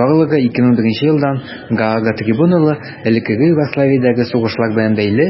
Барлыгы 2001 елдан Гаага трибуналы элеккеге Югославиядәге сугышлар белән бәйле